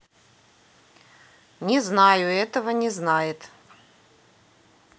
не знаю этого не знает